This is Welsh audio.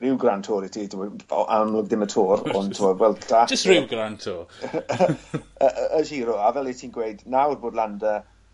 ryw Grand Tour i ti t'mod fel amlwg dim y Tour ond t'mod Vuelta... Jyst rhyw Grand Tour. Y y y Giro a fel 'yt ti'n gweud nawr bod Landa